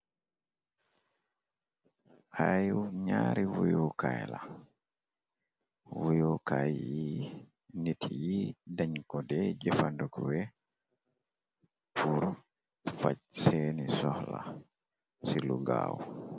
Ay ñaari wuyukaay la wuyukaayi nit yi dañ ko dee jëfandukwe pur faj seeni soxla ci lu gaaw.